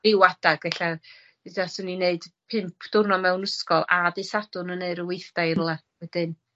...ryw adag ella ella 'swn i'n neud pump dwrnod mewn ysgol a dy' Sadwrn yn neu' ryw weithdai y fel 'a, wedyn